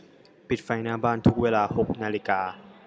ปิดไฟหน้าบ้านทุกเวลาหกนาฬิกา